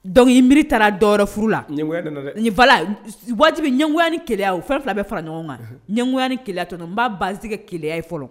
Donc i miri taara dɔw furu la; Ɲɛgoya nana dɛ; Voila wajibu, ɲɛgoya ni keleya o fɛn 2 bɛɛ fara ɲɔgɔn kan, ɲɛgoya ni keleya tɔntɔn, m'a base kɛ keleya ye fɔlɔ